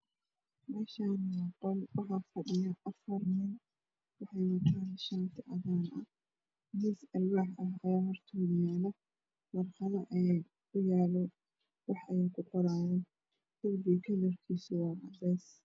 Meeshaani waa qol waxa fadhiya afar nin waxay wataan shaati cadaan ah miis alwaax ah ayaa hortooda yala warqado aya u yaalo wax ayey ku qoraayaan Derbiga kalerkiisu waa cadees